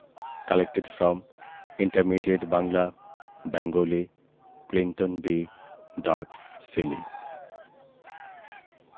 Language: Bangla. collected from intermediate Bangla Bengali Clinton B dot Seely